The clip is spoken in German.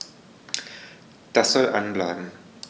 Das soll an bleiben.